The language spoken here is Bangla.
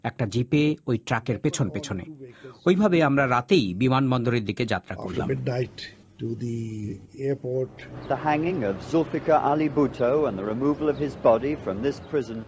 একটা জিপে ট্রাকের পেছন পেছনে ওইভাবে আমরা রাতেই বিমানবন্দরের দিকে যাত্রা করলাম midnight to the airport the hanging of Zulfikar Ali Bhutto and removal of his body from this prison